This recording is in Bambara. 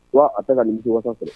Soit a tɛ ka nimisiwasa sɔrɔ